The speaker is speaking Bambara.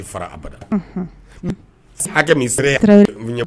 Hakɛ ye